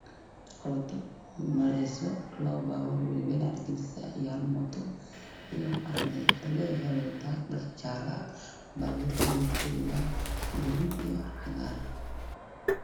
Waa wado waxaa maraayo labo baabuur oo waawayn oo carro gadis ah iyo hal mooto, iyo arday waxay wataan dhar jaale ah, baabuurtu midabkoodu waa buluug iyo cagaar.